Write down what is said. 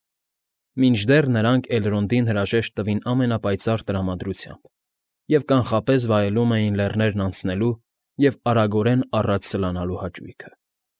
Մինչդեռ նրանք Էլրոնդին հրաժեշտ տվին ամենապայծառ տրամադրությամբ և կանխապես վայելում էին լեռներն անցնելու և արագորեն առաջ սլանալու հաճույքը։